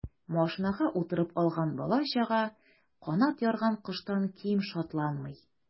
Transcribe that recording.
Машинага утырып алган бала-чага канат ярган коштан ким шатланмый.